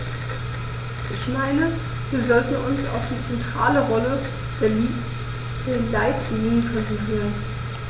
Ich meine, wir sollten uns auf die zentrale Rolle der Leitlinien konzentrieren.